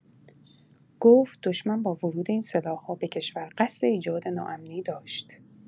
گفت «دشمن با ورود این سلاح‌ها به کشور قصد ایجاد ناامنی داشت.»